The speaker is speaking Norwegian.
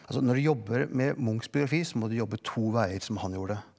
altså når du jobber med Munchs biografi så må du jobbe to veier som han gjorde.